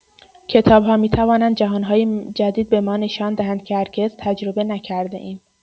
کتاب‌ها می‌توانند جهان‌هایی جدید به ما نشان دهند که هرگز تجربه نکرده‌ایم.